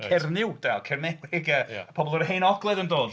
Cernyw, Cernyweg a Pobl o'r Hen Ogledd, yn doedd.